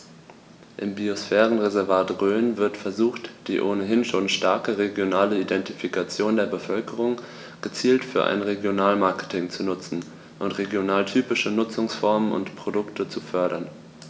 Im Biosphärenreservat Rhön wird versucht, die ohnehin schon starke regionale Identifikation der Bevölkerung gezielt für ein Regionalmarketing zu nutzen und regionaltypische Nutzungsformen und Produkte zu fördern.